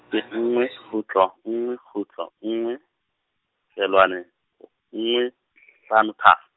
ke nngwe kgutlo nngwe kgutlo nngwe, feelwane , nngwe, tl- hlano tharo.